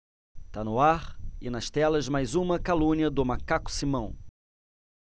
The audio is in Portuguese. tá no ar e nas telas mais uma calúnia do macaco simão